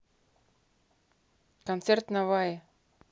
концерт наваи